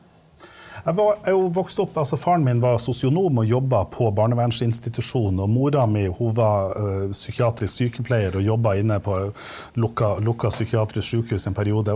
jeg var jeg er jo vokst opp altså faren min var sosionom og jobba på barnevernsinstitusjon, og mora mi hun var psykiatrisk sykepleier og jobba inne på lukka lukka psykiatrisk sjukehus en periode.